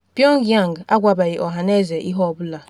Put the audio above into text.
Pyongyang agwabeghị ọhaneze ihe ọ bụla.